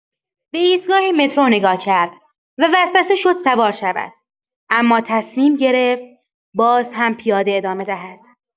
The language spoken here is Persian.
به ایستگاه مترو نگاه کرد و وسوسه شد سوار شود، اما تصمیم گرفت باز هم پیاده ادامه دهد.